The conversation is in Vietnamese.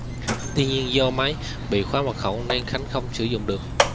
tuy nhiên do máy bị khóa mật khẩu nên khánh không sử dụng được